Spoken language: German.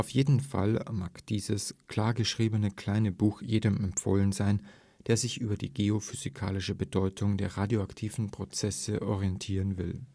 jeden Fall mag dieses klar geschriebene kleine Buch jedem empfohlen sein, der sich über die geo-physikalische Bedeutung der radioaktiven Prozesse orientieren will